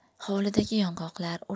hovlidagi yong'oqlar